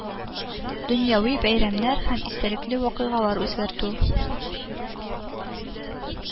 Дөньяви бәйрәмнәр һәм истәлекле вакыйгалар үзгәртү